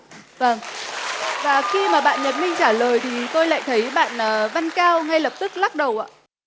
vâng và khi mà bạn nhật minh trả lời thì tôi lại thấy bạn ờ văn cao ngay lập tức lắc đầu ạ